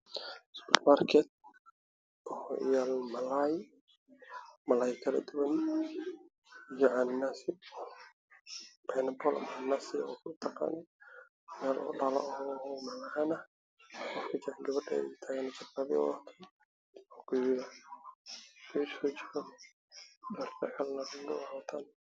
Waa dukan labo nin jogaan